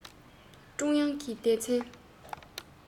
ཀྲུང དབྱང གི སྡེ ཚན